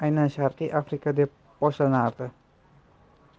aynan sharqiy afrika deb hisoblanardi